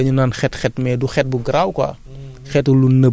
mais daal du lu jafe amul benn gaañ-gaañ peut être xet bi